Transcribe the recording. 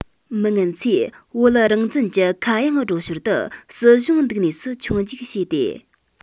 མི ངན ཚོས བོད རང བཙན གྱི ཁ དབྱངས སྒྲོགས ཞོར དུ སྲིད གཞུང འདུག གནས སུ མཆོང རྒྱུག བྱས ཏེ